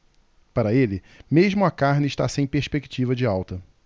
para ele mesmo a carne está sem perspectiva de alta